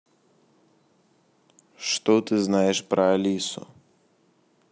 что ты знаешь про алису